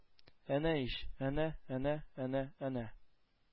-әнә ич, әнә, әнә, әнә, әнә!